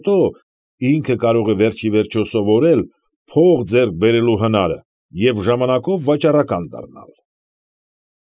Հետո, ինքը կարող է վերջ ի վերջո սովորել փող ձեռք բերելու հնարը և ժամանակով վաճառական դառնալ։